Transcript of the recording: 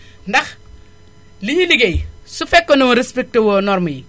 ndax li ñuy liggéey su fekkee ne woon respecté woo normes yi